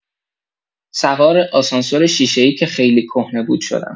سوار آسانسور شیشه‌ای که خیلی کهنه بود شدم.